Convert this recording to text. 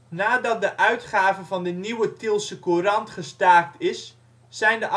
Nadat de uitgave van de Nieuwe Tielsche Courant gestaakt is, zijn